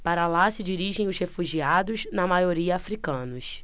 para lá se dirigem os refugiados na maioria hútus